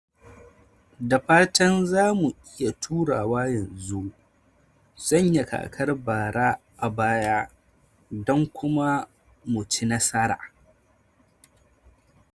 Da fatan, za mu iya turawa yanzu, mu sanya kakar bara a baya don kuma mu ci nasara."